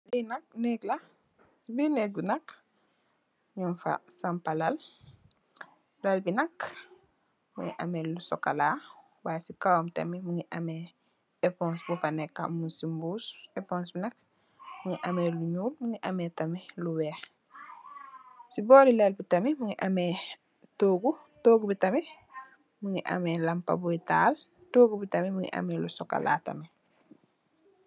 Fi nak nèeg la, ci biir nèeg bi nak nung fa sampa lal. Lal bi nak mungi ameh lu sokola why ci kawam tamit mungi ameh epons bi fa nekka mung ci mbuss. Epons bi nak mungi ameh lu ñuul, mungi ameh tamit lu weeh. Ci bori lal bi tamit mungi ameh toogu bi tamit mungi ameh lampa bi taal. Toogu bi tamit mungi ameh lu sokola la tamit.